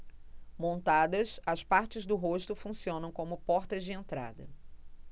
montadas as partes do rosto funcionam como portas de entrada